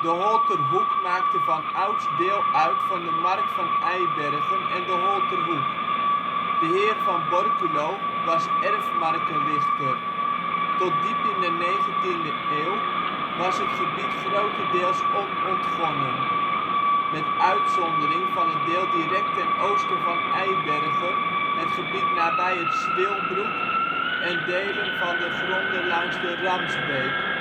Holterhoek maakte vanouds deel uit van de mark van Eibergen en de Holterhoek. De Heer van Borculo was erfmarkenrichter. Tot diep in de negentiende eeuw was het gebied grotendeels ontontgonnen, met uitzondering van het deel direct ten oosten van Eibergen, het gebied nabij het Zwilbroek en delen van de gronden langs de Ramsbeek